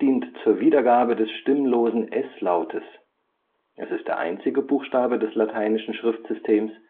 dient zur Wiedergabe des stimmlosen s-Lautes [s]. Es ist der einzige Buchstabe des lateinischen Schriftsystems,